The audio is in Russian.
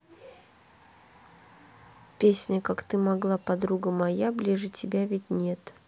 песня как ты могла подруга моя ближе тебя ведь нет